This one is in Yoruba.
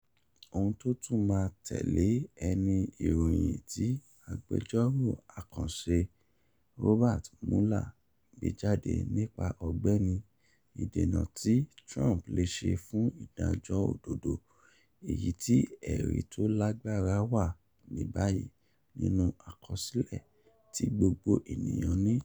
Ohun tó tún máa tẹ̀ lé e ni ìròyìn tí agbẹjọ́rò àkànṣe Robert Mueller gbé jáde nípa Ọ̀gbẹ́ni Ìdènà tí Trump lè ṣe fún ìdájọ́ òdodo, èyí tí ẹ̀rí tó lágbára wà ní báyìí nínú àkọsílẹ̀ tí gbogbo ènìyàn ní.